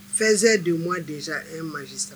Faisait de moi déjà un magistrat